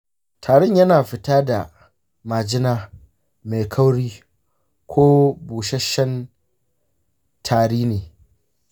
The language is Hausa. tarin yana fitar da majina mai kauri ko busasshan tari ne?